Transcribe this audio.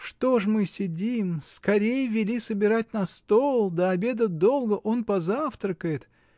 Что ж мы сидим: скорей вели собирать на стол, до обеда долго, он позавтракает.